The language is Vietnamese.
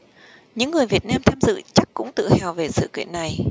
những người việt nam tham dự chắc cũng tự hào về sự kiện này